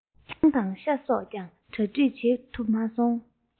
ཆང དང ཤ སོགས ཀྱང གྲ སྒྲིག བྱེད ཐུབ མ སོང